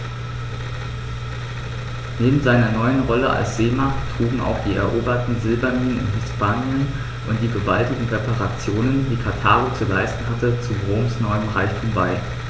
Neben seiner neuen Rolle als Seemacht trugen auch die eroberten Silberminen in Hispanien und die gewaltigen Reparationen, die Karthago zu leisten hatte, zu Roms neuem Reichtum bei.